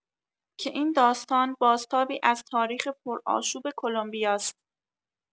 که این داستان بازتابی از تاریخ پرآشوب کلمبیاست!